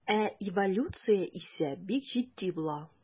Ә эволюция исә бик җитди була.